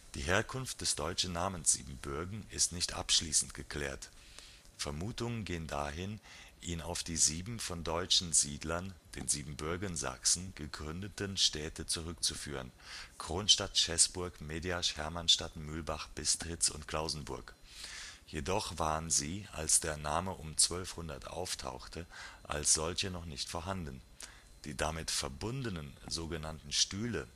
Die Herkunft des deutschen Namens Siebenbürgen ist nicht abschließend geklärt. Vermutungen gehen dahin, ihn auf die sieben von deutschen Siedlern (den Siebenbürger Sachsen) gegründeten Städte zurückzuführen (Kronstadt, Schäßburg, Mediasch, Hermannstadt, Mühlbach, Bistritz und Klausenburg). Jedoch waren sie, als der Name um 1200 auftauchte, als solche noch nicht vorhanden. Die damit verbundenen so genannten Stühle